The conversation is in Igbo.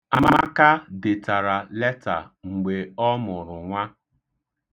Amaka detara leta mgbe ọ mụrụ nwa.